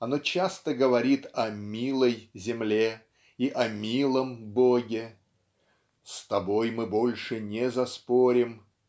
оно часто говорит о "милой" земле и о "милом" Боге -- "с Тобой мы больше не заспорим"